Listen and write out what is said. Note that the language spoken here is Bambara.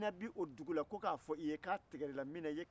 ina sɔnna cɛkɔrɔbala